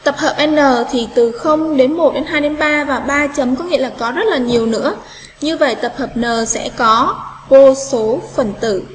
tập hợp n thì từ đến đến đến và chấm có nghĩa là có rất là nhiều nữa những bài tập hợp n sẽ có vô số phần tử